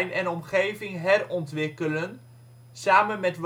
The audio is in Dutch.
en omgeving herontwikkelen, samen met